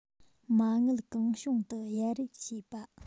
མ དངུལ གང བྱུང དུ གཡར རེས བྱེད པ